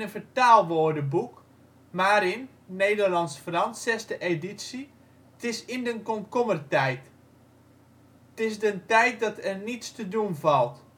vertaalwoordenboek (Marin, Nederlands-Frans, 6de editie:,,’ t is in den komkommertijd.’ T is den tijd dat er niet [s] te doen valt